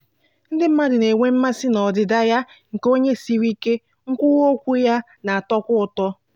Ndị mmadụ na-enwe mmasị n'ọdịdị ya nke onye siri ike, nkwuwa okwu ya na-atọkwa ụtọ.